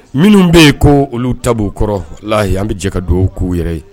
Minnu bɛ yen ko olu ta kɔrɔ layi an bɛ jɛ ka dugawu k'u yɛrɛ ye